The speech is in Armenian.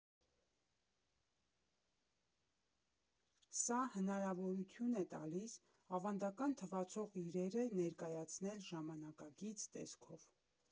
Սա հնարավորություն է տալիս ավանդական թվացող իրերը ներկայացնել ժամանակակից տեսքով։